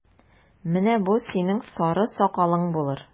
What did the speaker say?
Менә бу синең сары сакалың булыр!